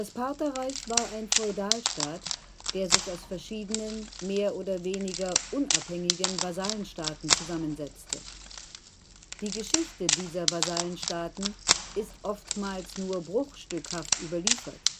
Partherreich war ein Feudalstaat, der sich aus verschiedenen mehr oder weniger unabhängigen Vasallenstaaten zusammensetzte. Die Geschichte dieser Vasallenstaaten ist oftmals nur bruchstückhaft überliefert